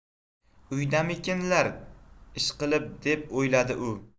uydamikinlar ishqilib deb o'yladi u